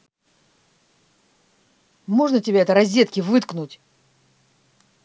можно тебя это розетки выткнуть